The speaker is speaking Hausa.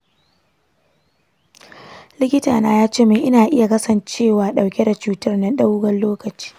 likitana ya ce ina iya kasancewa ɗauke da cutar na dogon lokaci.